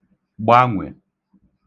gbanwè